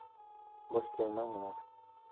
bo'sh kelmanglar